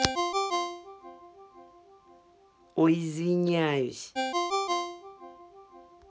ой извиняюсь